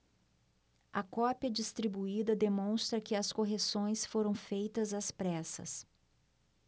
a cópia distribuída demonstra que as correções foram feitas às pressas